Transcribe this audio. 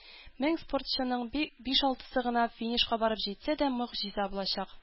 Мең спортчының биш-алтысы гына финишка барып җитсә дә, могҗиза булачак.